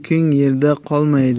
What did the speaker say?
yuking yerda qolmaydi